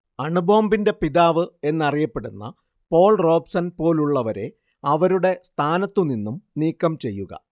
അണുബോംബിന്റെ പിതാവ് എന്നറിയപ്പെടുന്ന Paul Robeson പോലുള്ളവരെ അവരുടെ സ്ഥാനത്തു നിന്നും നീക്കംചെയ്യുക